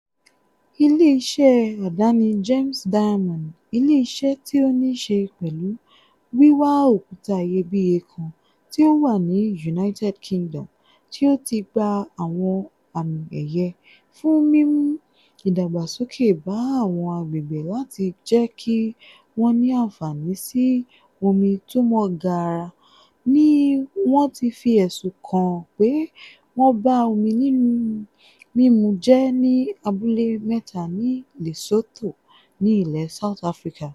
Ilé iṣẹ́ àdáni Gems Diamond, ilé-iṣẹ́ tí ó ní ṣe pẹ̀lú wíwa òkúta iyebíye kan tí ó wà ní United Kingdom tí ó ti gba àwọn àmì ẹ̀yẹ fún mímu ìdàgbàsókè bá àwọn àgbègbè láti jẹ́ kí wọ́n ní àǹfààní sí omi tó mọ́ Gara, ní wọ́n ti fi ẹ̀sùn kan pé wọ́n ba omi mímu jẹ́ ní abúlé mẹ́ta ní Lesotho, ní ilẹ̀ South Africa.